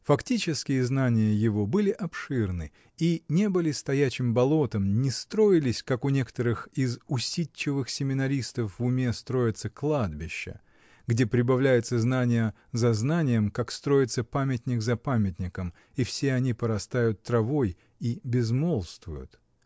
Фактические знания его были обширны и не были стоячим болотом, не строились, как у некоторых из усидчивых семинаристов в уме строятся кладбища, где прибавляется знание за знанием, как строится памятник за памятником, и все они порастают травой и безмолвствуют.